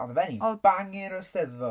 Oedd y Fenni'n... oedd... ...bangin o 'Steddfod!